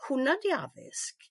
Hwnna 'di addysg.